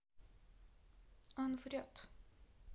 он врет